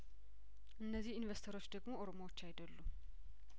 እነዚህ ኢንቬስተ ሮች ደግሞ ኦሮሞዎች አይደሉም